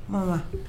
Ɔn